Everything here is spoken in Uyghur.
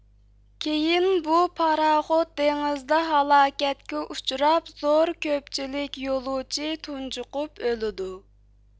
كېيىن بۇ پاراخوت دېڭىزدا ھالاكەتكە ئۇچراپ زور كۆپچىلىك يولۇچى تۇنجۇقۇپ ئۆلىدۇ